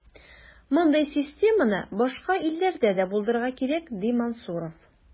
Мондый системаны башка илләрдә дә булдырырга кирәк, ди Мансуров.